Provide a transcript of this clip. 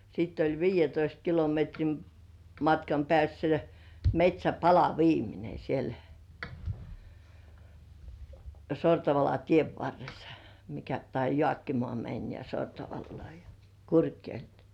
sitten oli viidentoista kilometrin matkan päässä metsäpala viimeinen siellä Sortavalan tien varressa mikä tai Jaakkimaan meni ja Sortavalaan ja Kurkijoelle